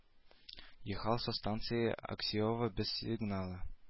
Ехал со станции аксеиово без сигнала